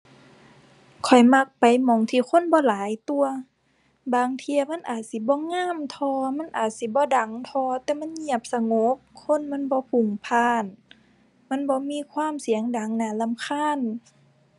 ข้อยมักไปหม้องที่คนบ่หลายตั่ว บางเที่ยมันอาจสิบ่งามเท่า มันอาจสิบ่ดังเท่า แต่มันเงียบสงบ คนมันบ่พลุ่งพล่าน มันบ่มีความเสียงดังน่ารำคาญ